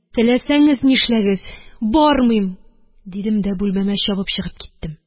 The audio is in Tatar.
Теләсәңез нишләңез! Бармыйм, – дидем дә бүлмәмә чабып чыгып киттем.